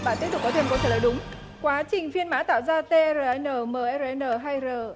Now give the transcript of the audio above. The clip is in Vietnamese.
bạn tiếp tục có thêm câu trả lời đúng quá trình phiên mã tạo ra tê e rờ en nờ mờ e rờ en nờ hay rờ